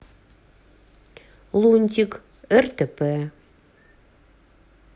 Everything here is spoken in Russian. лунтик ртп